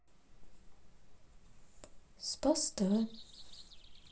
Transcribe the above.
спас тв